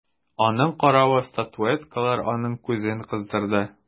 Аның каравы статуэткалар аның күзен кыздырды.